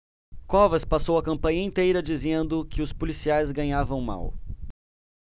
covas passou a campanha inteira dizendo que os policiais ganhavam mal